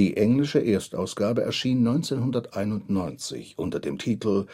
englische Erstausgabe erschien 1991 unter dem Titel